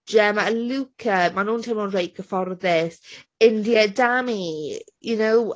Gemma a Luca, maen nhw'n teimlo'n reit gyfforddus. India a Dami, you know?